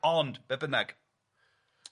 Ond be' bynnag.